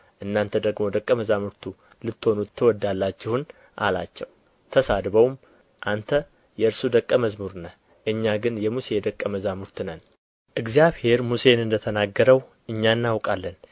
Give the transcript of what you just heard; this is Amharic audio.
እናንተ ደግሞ ደቀ መዛሙርቱ ልትሆኑ ትወዳላችሁን አላቸው ተሳድበውም አንተ የእርሱ ደቀ መዝሙር ነህ እኛ ግን የሙሴ ደቀ መዛሙርት ነን እግዚአብሔር ሙሴን እንደ ተናገረው እኛ እናውቃለን